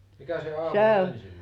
mikä se aamulla ensimmäinen